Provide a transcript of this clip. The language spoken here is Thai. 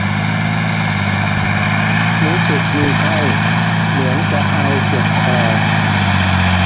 รู้สึกมีไข้เหมือนจะไอเจ็บคอ